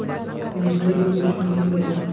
tinchlik urushni yengar